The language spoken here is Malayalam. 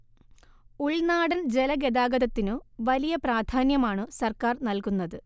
ഉൾനാടൻ ജലഗതാഗതത്തിനു വലിയ പ്രാധാന്യമാണു സർക്കാർ നൽകുന്നത്